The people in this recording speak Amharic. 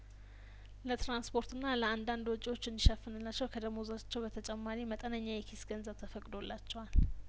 ለትራንስፖርትና ለአንዳንድ ወጪዎች እንዲ ሸፍንላቸው ከደሞዛቸው በተጨማሪ መጠነኛ የኪስ ገንዘብ ተፈቅዶላቸዋል